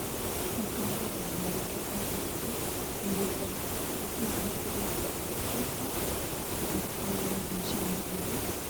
Kal kaan waxaa socda wiilal wato dhar cadeys ah